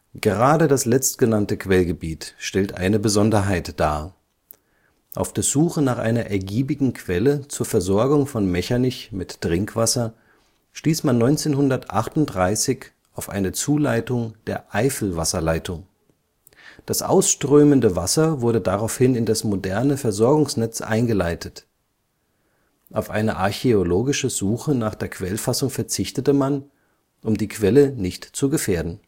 Gerade das letztgenannte Quellgebiet stellt eine Besonderheit dar: Auf der Suche nach einer ergiebigen Quelle zur Versorgung von Mechernich mit Trinkwasser stieß man 1938 auf eine Zuleitung der Eifelwasserleitung. Das ausströmende Wasser wurde daraufhin in das moderne Versorgungsnetz eingeleitet. Auf eine archäologische Suche nach der Quellfassung verzichtete man, um die Quelle nicht zu gefährden